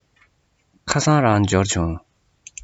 ཁ སང རང འབྱོར བྱུང